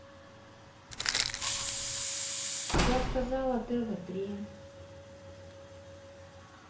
я сказала тв три